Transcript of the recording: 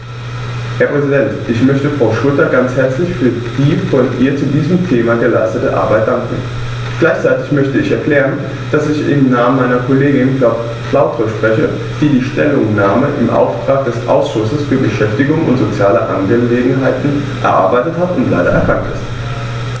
Herr Präsident, ich möchte Frau Schroedter ganz herzlich für die von ihr zu diesem Thema geleistete Arbeit danken. Gleichzeitig möchte ich erklären, dass ich im Namen meiner Kollegin Frau Flautre spreche, die die Stellungnahme im Auftrag des Ausschusses für Beschäftigung und soziale Angelegenheiten erarbeitet hat und leider erkrankt ist.